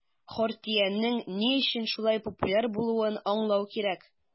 Хартиянең ни өчен шулай популяр булуын аңлау кирәк.